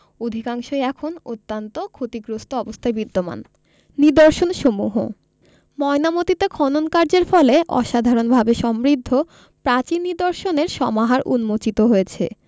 অধিকাংশই এখন অত্যন্ত ক্ষতিগ্রস্ত অবস্থায় বিদ্যমান নিদর্শনসমূহঃ ময়নামতীতে খননকার্যের ফলে অসাধারণভাবে সমৃদ্ধ প্রাচীন নিদর্শনের সমাহার উন্মোচিত হয়েছে